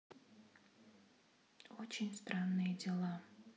очень странные дела